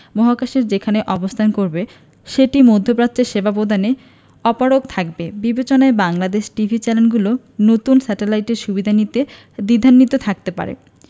মহাকাশের যেখানে অবস্থান করবে সেটি মধ্যপ্রাচ্যে সেবা প্রদানে অপারগ থাকবে বিবেচনায় বাংলাদেশের টিভি চ্যানেলগুলো নতুন স্যাটেলাইটের সুবিধা নিতে দ্বিধান্বিত থাকতে পারে